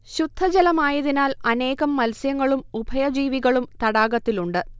ശുദ്ധജലമായതിനാൽ അനേകം മത്സ്യങ്ങളും ഉഭയ ജീവികളും തടാകത്തിലുണ്ട്